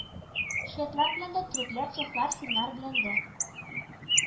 Шведлар белән дә, төрекләр, чехлар, финнар белән дә